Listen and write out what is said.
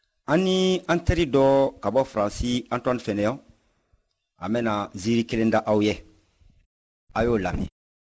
ani n teri dɔ ka bɔ faransi antoine fenayon an bɛna nsiirin kelen da aw ye a' ye o lamɛn